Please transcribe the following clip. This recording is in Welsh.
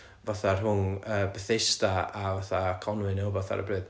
fatha rhwng yy Bethesda a fatha Conwy neu wbath ar y pryd